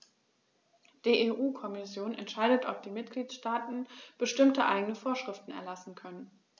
Die EU-Kommission entscheidet, ob die Mitgliedstaaten bestimmte eigene Vorschriften erlassen können.